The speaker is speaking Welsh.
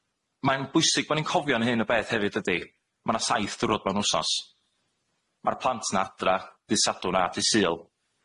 Mae'n bwysig bo' ni'n cofio yn hyn o beth hefyd dydi, ma' 'na saith dwrnod mewn wsos, ma'r plant 'na adra dy' Sadwrn a dy' Sul,